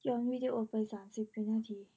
ย้อนวีดีโอไปสามสิบวินาที